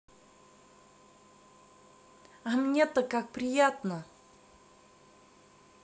а мне то как приятно